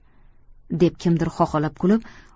deb kimdir xoxolab kulib